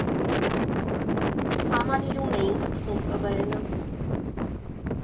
Համալիրում էինք սկսում ԿՎՆ֊ը։